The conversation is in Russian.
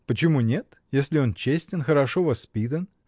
— Почему нет, если он честен, хорошо воспитан?.